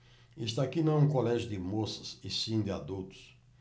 isto aqui não é um colégio de moças e sim de adultos